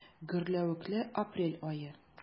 Гөрләвекле апрель ае.